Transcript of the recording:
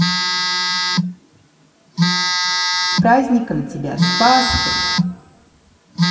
с праздником тебя с пасхой